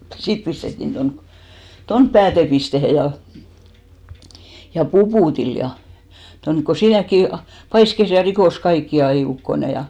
sitten pistettiin tuonne tuonne päätepisteeseen ja ja Puputille ja tuonne kun siinäkin paiskasi ja rikkoi kaikki aina ukkonen ja